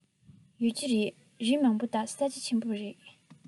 ཡོད ཀྱི རེད རི མང པོ དང ས རྒྱ ཆེན པོ རེད པ